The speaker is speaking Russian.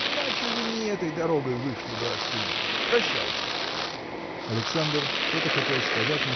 иначе вы не этой дорогой вышли бы отсюда. Прощайте! Александр что-то хотел сказать